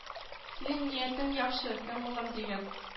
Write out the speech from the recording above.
— синең ниятең яхшы, кем, улым,— дигән